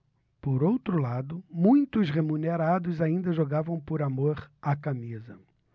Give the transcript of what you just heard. por outro lado muitos remunerados ainda jogavam por amor à camisa